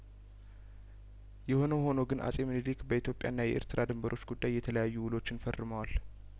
የሆነ ሆኖ ግን አጼ ሚንሊክ በኢትዮጵያ ና የኤርትራ ድንበሮች ጉዳይ የተለያዩ ውሎችን ፈርመዋል